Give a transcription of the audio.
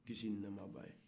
kisi ni nɛɛma b'a ye